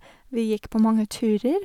Vi gikk på mange turer.